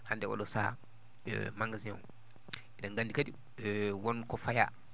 hannde oɗo sahaa magasin o eɗen nganndi kadi wonko fayaa